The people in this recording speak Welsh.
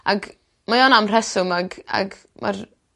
ag mae yna am rheswm ag ag ma'r